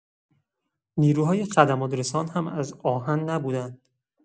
نیروهای خدمات‌رسان هم از آهن نبودند.